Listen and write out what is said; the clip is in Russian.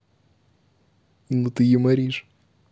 ну ты юморишь